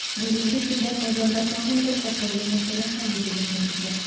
Бүгенге көндә Казанда тагын бер катлаулы мәсьәлә хәл ителешен көтә.